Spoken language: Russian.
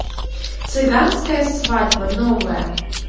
цыганская свадьба новая